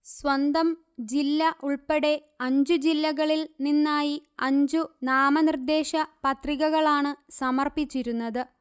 സ്വന്തം ജില്ല ഉൾപ്പടെ അഞ്ചു ജില്ലകളിൽ നിന്നായി അഞ്ചു നാമ നിർദ്ദേശ പത്രികകളാണ് സമർപ്പിച്ചിരുന്നത്